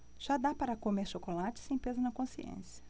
já dá para comer chocolate sem peso na consciência